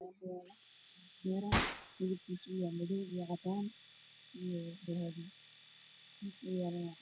Bishaan waxaa yaalo miisaskoodu yahay madow caddaan iyo dahabi ku yaalana waacdoon